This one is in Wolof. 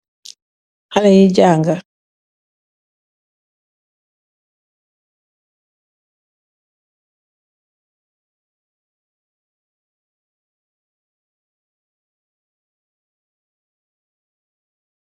Xalèh yi janga .